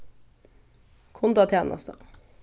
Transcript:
kundatænasta